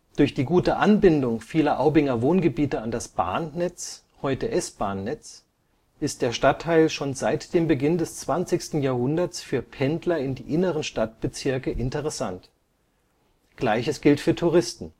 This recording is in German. Durch die gute Anbindung vieler Aubinger Wohngebiete an das Bahnnetz, heute S-Bahn Netz, ist der Stadtteil schon seit dem Beginn des 20. Jahrhunderts für Pendler in die inneren Stadtbezirke interessant. Gleiches gilt für Touristen